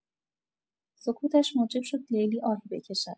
سکوتش موجب شد لیلی آهی بکشد.